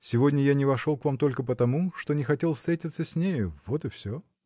сегодня я не вошел к вам только потому, что не хотел встретиться с нею, -- вот и все.